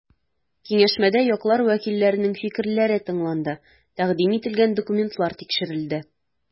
Киңәшмәдә яклар вәкилләренең фикерләре тыңланды, тәкъдим ителгән документлар тикшерелде.